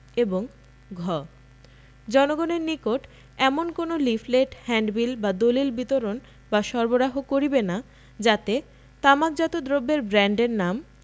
এবং ঘ জনগণের নিকট এমন কোন লিফলেট হ্যান্ডবিল বা দলিল বিতরণ বা সরবরাহ করিবেনা যাহাতে তামাকজাত দ্রব্যের ব্রান্ডের নাম